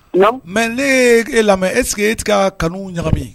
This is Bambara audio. Mɛ ne e lamɛn esseke e tɛ ka kanu ɲagami